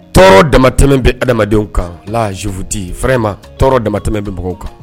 Tɔɔrɔ dama bɛ adamadenw kan lafutti fɛrɛma tɔɔrɔ damatɛmɛ bɛ mɔgɔw kan